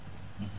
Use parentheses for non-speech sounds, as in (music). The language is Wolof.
(hesitation) (hesitation)